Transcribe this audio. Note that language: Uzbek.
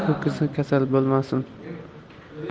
ham ho'kizi kasal bo'lmasin